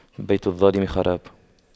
بيت الظالم خراب